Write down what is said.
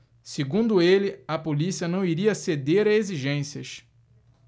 segundo ele a polícia não iria ceder a exigências